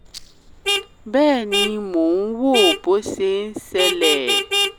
Bẹ́ẹ̀ ni mò ń wòó bó se ń ṣẹlẹ̀.